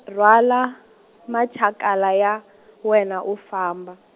rhwala, macakala ya wena u famba.